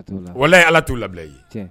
Wala ye ala t'u labila ye